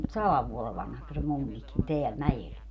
sadan vuoden vanhaksi se mummikin täällä mäellä